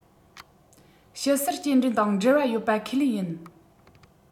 དཔྱིད གསར སྐྱེལ འདྲེན དང འབྲེལ བ ཡོད པ ཁས ལེན ཡིན